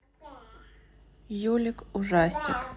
юлик ужастик